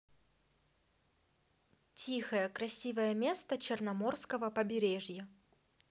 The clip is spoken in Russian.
тихое красивое место черноморского побережья